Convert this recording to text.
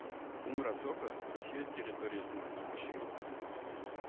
Уң Рассоха Русия территориясеннән агучы елга